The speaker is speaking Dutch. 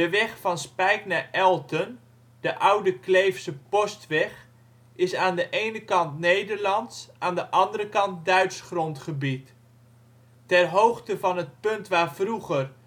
weg van Spijk naar Elten, de Oude Kleefse Postweg, is aan de ene kant Nederlands, aan de andere kant Duits grondgebied. Ter hoogte van het punt waar vroeger